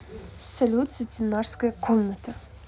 салют сутенерская комната